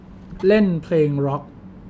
เล่นเพลงร็อค